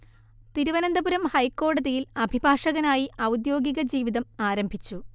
തിരുവനന്തപുരം ഹൈക്കോടതിയിൽ അഭിഭാഷകനായി ഔദ്യോഗിക ജീവിതം ആരംഭിച്ചു